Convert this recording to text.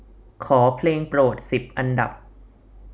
ขอเพลงโปรดสิบอันดับ